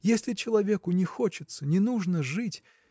– Если человеку не хочется, не нужно жить.